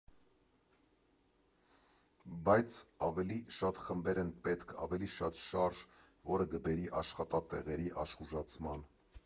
Բայց ավելի շատ խմբեր են պետք, ավելի շատ շարժ, որը կբերի աշխատատեղերի, աշխուժացման։